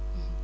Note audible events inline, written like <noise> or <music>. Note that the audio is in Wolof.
<hesitation> <hesitation>